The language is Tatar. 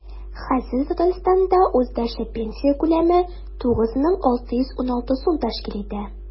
Хәзер Татарстанда уртача пенсия күләме 9616 сум тәшкил итә.